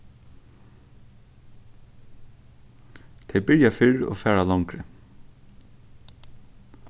tey byrja fyrr og fara longri